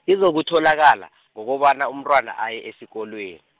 izokutholakala, ngokobana umntwana aye esikolweni.